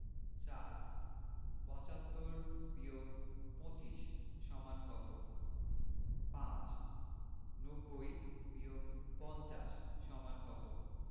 ৪ ৭৫-২৫ = কত ৫ ৯০-৫০ = কত